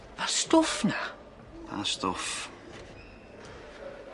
Y stwff 'na? Pa stwff?